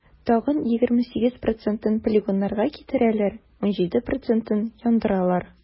Тагын 28 процентын полигоннарга китерәләр, 17 процентын - яндыралар.